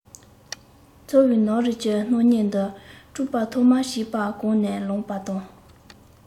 ཚོར བའི ནག རིས ཀྱི སྣང བརྙན འདི བསྐྲུན པར ཐོག མར བྱིས པ གོག ནས ལངས པ དང